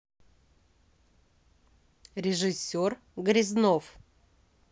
режиссер грязнов